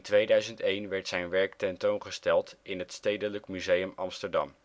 2001 werd zijn werk tentoongesteld in het Stedelijk Museum Amsterdam